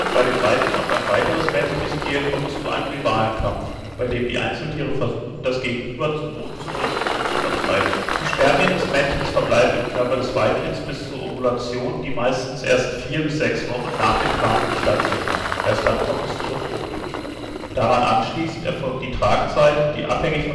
bei dem Weibchen auf ein weiteres männliches Tier, kommt es zu einem Rivalenkampf, bei dem die Einzeltiere versuchen, das Gegenüber zu Boden zu drücken und zu vertreiben. Die Spermien des Männchens verbleiben im Körper des Weibchens bis zur Ovulation, die meistens erst vier bis sechs Wochen nach den Paarungen stattfindet, erst dann kommt es zur Befruchtung. Daran anschließend erfolgt die Tragezeit, die abhängig